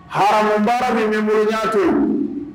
Ha baara min kɛ bo to